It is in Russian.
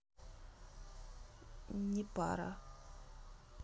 непара